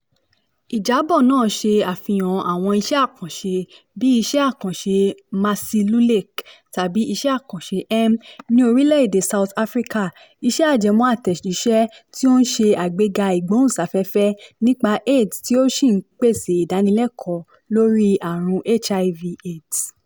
Ìjábọ̀ náà ṣe àfihàn àwọn iṣẹ́ àkànṣe bíi Iṣẹ́ Àkànṣe Masiluleke (tàbí Iṣẹ́ Àkànṣe M) ní orílẹ̀ èdè South Africa, iṣẹ́ ajẹmọ́ àtẹ̀jíṣẹ́ tí ó ń ṣe àgbéga ìgbóhùnsáfẹ́fẹ́ nípa AIDS tí ó sì ń pèsè ìdánilẹ́kọ̀ọ́ lórí àrùn HIV/AIDS.